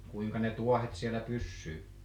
kuinka ne tuohet siellä pysyy